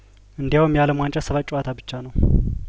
እንዲያውም የአለም ዋንጫ ሰባት ጨዋታ ብቻ ነው